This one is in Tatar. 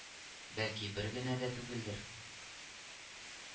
Бәлки бер генә дә түгелдер